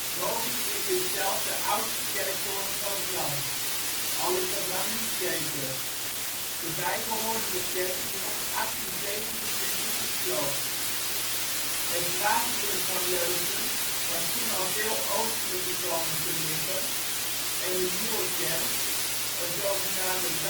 Mogelijk is dit zelfs de oudste kerktoren van het land, al is dat lang niet zeker. De bijbehorende kerk is rond 1827 gesloopt. Het zwaartepunt van Leusden was toen al veel oostelijker komen te liggen en de nieuwe kerk, een zogenaamde